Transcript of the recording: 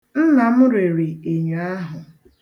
Nna m rere enyo ahụ.